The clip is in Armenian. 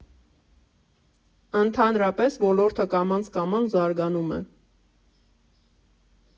Ընդհանրապես, ոլորտը կամաց֊կամաց զարգանում է։